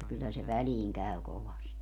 kyllä se väliin käy kovasti